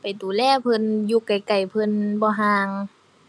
ไปดูแลเพิ่น อยู่ใกล้ใกล้เพิ่นบ่ห่าง